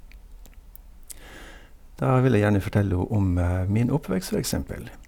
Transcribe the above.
Da vil jeg gjerne fortelle om min oppvekst, for eksempel.